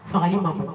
Faagali ma bɔ